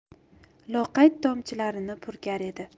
loqayd tomchilarini purkar edi